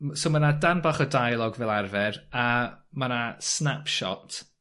m- so ma' 'na darn bach o deialog fel arfer a ma' 'na snapshot